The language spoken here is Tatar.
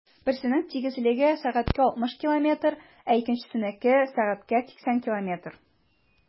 Берсенең тизлеге 60 км/сәг, ә икенчесенеке - 80 км/сәг.